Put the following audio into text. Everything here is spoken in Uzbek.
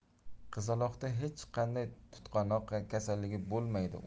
qizaloqda hech qanday tutqanoq kasalligi bo'lmaydi